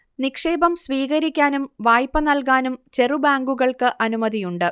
നിക്ഷേപം സീകരിക്കാനും വായ്പ നൽക്കാനും ചെറു ബാങ്കുകൾക്ക് അനുമതിയുണ്ട്